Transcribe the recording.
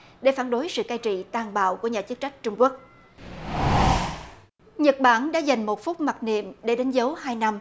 để phản đối sự cai trị tàn bạo của nhà chức trách trung quốc nhật bản đã dành một phút mặc niệm để đánh dấu hai năm